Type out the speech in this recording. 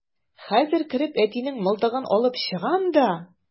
Хәзер кереп әтинең мылтыгын алып чыгам да...